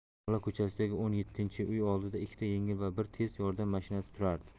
lola ko'chasidagi o'n yettinchi uy oldida ikkita yengil va bir tez yordam mashinasi turardi